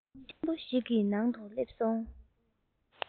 ཆེན པོ ཞིག གི ནང དུ སླེབས སོང